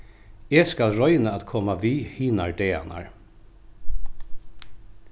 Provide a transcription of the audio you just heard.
eg skal royna at koma við hinar dagarnar